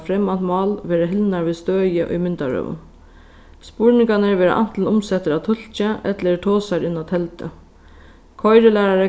fremmant mál verða hildnar við støði í myndarøðum spurningarnir verða antil umsettir av tulki ella eru tosaðir inn á teldu koyrilærari